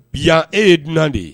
Yan e ye dunan de ye